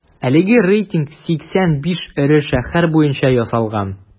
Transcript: Әлеге рейтинг 85 эре шәһәр буенча ясалган.